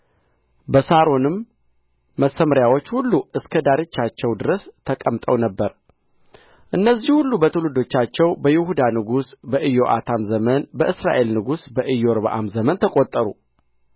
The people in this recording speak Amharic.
በሳሮንም መሰምርያዎች ሁሉ እስከ ዳርቻቸው ድረስ ተቀምጠው ነበር እነዚህ ሁሉ በትውልዶቻቸው በይሁዳ ንጉሥ በኢዮአታም ዘመንና በእስራኤል ንጉሥ በኢዮርብዓም ዘመን ተቈጠሩ